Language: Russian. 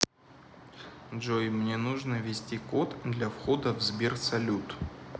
джой мне нужно ввести код для входа в сбер салют